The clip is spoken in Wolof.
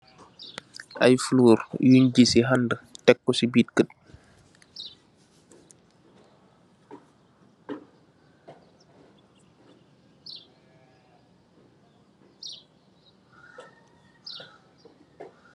Ay florr yun ji si anda tek so si birr keur.